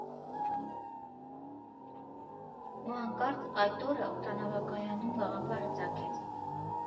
Ու հանկարծ այդ օրը օդանավակայանում գաղափարը ծագեց.